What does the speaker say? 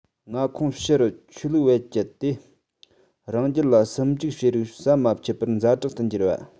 མངའ ཁོངས ཕྱི རུ ཆོས ལུགས བེད སྤྱད དེ རང རྒྱལ ལ སིམ འཛུལ བྱེད རིགས ཟམ མ ཆད པར ཛ དྲག ཏུ འགྱུར བ